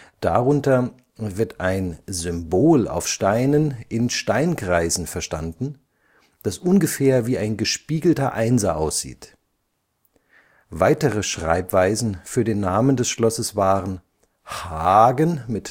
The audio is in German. Darunter wird ein Symbol auf Steinen in Steinkreisen verstanden, das ungefähr wie ein gespiegelter Einser aussieht. Weitere Schreibweisen für den Namen des Schlosses waren: Haaggen, Haggen